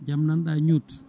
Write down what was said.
jaam nanɗa Nioute